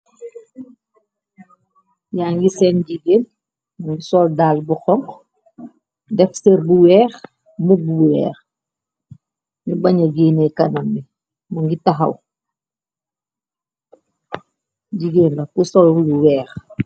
Yaa ngi sen jigeen, mu ngi sol daala bu xongxu def serr bu weex, mbubu bu weex, ñu baña géene kanambi. Mu ngi taxaw, jigéen la bu sol lu weex.